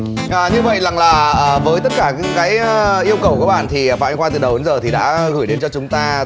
như vậy rằng là với tất cả những cái yêu cầu các bạn thì phạm anh khoa từ đầu đến giờ thì đã gửi đến cho chúng ta